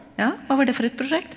ja, hva var det for et prosjekt?